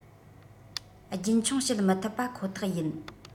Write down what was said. རྒྱུན འཁྱོངས བྱེད མི ཐུབ པ ཁོ ཐག ཡིན